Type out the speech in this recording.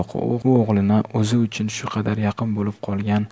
u o'g'lini o'zi uchun shu qadar yaqin bo'lib qolgan